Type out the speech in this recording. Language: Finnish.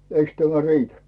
eikös tämä riitä